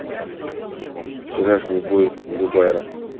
вчерашний бой зубайра